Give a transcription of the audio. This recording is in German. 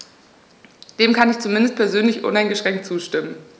Dem kann ich zumindest persönlich uneingeschränkt zustimmen.